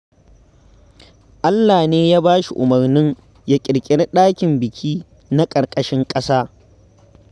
Allah ne ya ba shi umarnin ya ƙirƙiri ɗakin biki na ƙarƙashin ƙasa.